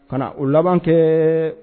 Ka na o laban kɛ